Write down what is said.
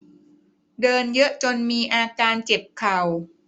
เดินเยอะจนมีอาการเจ็บเข่า